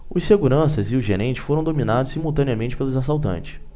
os seguranças e o gerente foram dominados simultaneamente pelos assaltantes